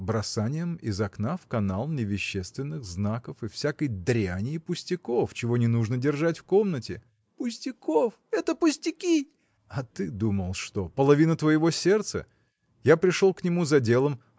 – Бросанием из окна в канал невещественных знаков и всякой дряни и пустяков чего не нужно держать в комнате. – Пустяков! это пустяки! – А ты думал что? – половина твоего сердца. Я пришел к нему за делом